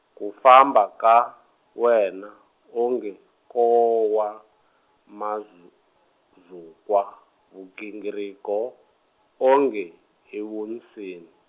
ku famba, ka wena, onge, ko wa, ma- zu-, zukwa, vugingiriko, onge i vunsini.